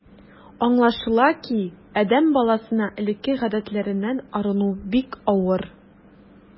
Аңлашыла ки, адәм баласына элекке гадәтләреннән арыну бик авыр.